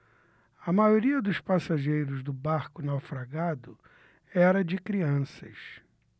a maioria dos passageiros do barco naufragado era de crianças